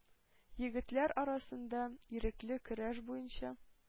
Егетләр арасында ирекле көрәш буенча